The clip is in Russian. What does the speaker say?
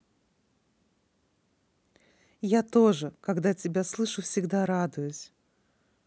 я тоже когда тебя слышу всегда радуюсь